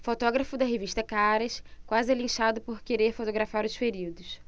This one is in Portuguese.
fotógrafo da revista caras quase é linchado por querer fotografar os feridos